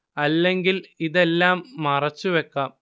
അല്ലെങ്കിൽ ഇതെല്ലാം മറച്ചുവെക്കാം